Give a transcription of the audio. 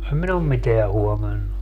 en minä ole mitään huomannut